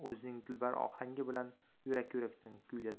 o'zining dilbar ohangi bilar yurak yurak dan kuyladi